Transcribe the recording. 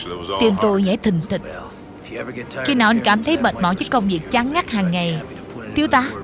tim tôi nhảy thình thịch khi nào anh cảm thấy mệt mỏi trước công việc chán ngắt hàng ngày thiếu tá